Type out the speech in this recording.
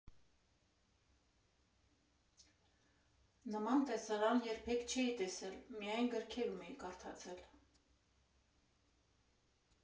Նման տեսարան երբեք չէի տեսել, միայն գրքերում էի կարդացել։